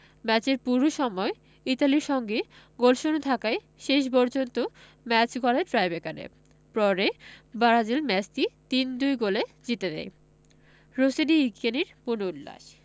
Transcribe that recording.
ম্যাচের পুরো সময় ইতালির সঙ্গে গোলশূন্য থাকায় শেষ পর্যন্ত ম্যাচ গড়ায় টাইব্রেকারে পরে ব্রাজিল ম্যাচটি ৩ ২ গোলে জিতে নেয় রশিদী ইয়েকিনীর বুনো উল্লাস